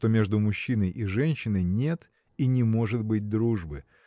что между мужчиной и женщиной нет и не может быть дружбы